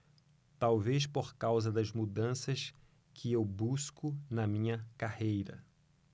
talvez por causa das mudanças que eu busco na minha carreira